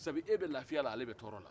sabu e bɛ lafiya la ale bɛ tɔrɔ la